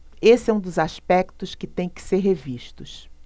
esse é um dos aspectos que têm que ser revistos